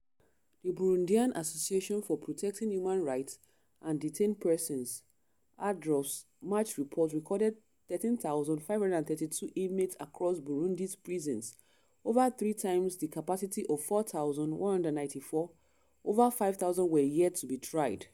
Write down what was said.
The Burundian Association for Protecting Human Rights and Detained Persons (APRODH)’s March report recorded 13,532 inmates across Burundi’s prisons, over three times the capacity of 4,194; Over 5,000 were yet to be tried.